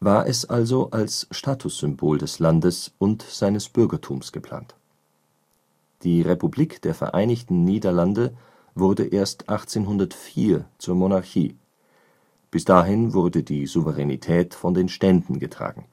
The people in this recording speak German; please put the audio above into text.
war es also als Statussymbol des Landes und seines Bürgertums geplant. Die Republik der Vereinigten Niederlande wurde erst 1804 zur Monarchie, bis dahin wurde die Souveränität von den Ständen getragen